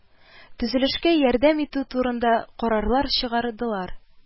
Төзелешкә ярдәм итү турында карарлар чыгардылар